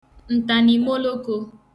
ǹtànììmolokō